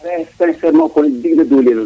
*